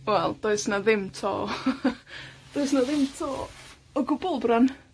Wel, does 'na ddim to. Does 'na ddim to, o gwbwl bron.